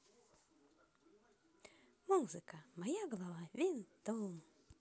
музыка моя голова винтом